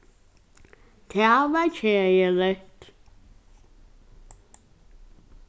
tað var keðiligt